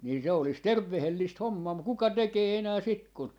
niin se olisi terveellistä hommaa mutta kuka tekee enää sitten kun